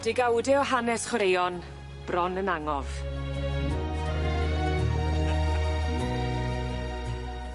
Degawde o hanes chwaraeon bron yn angof.